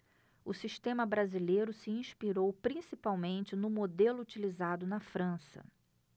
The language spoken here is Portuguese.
o sistema brasileiro se inspirou principalmente no modelo utilizado na frança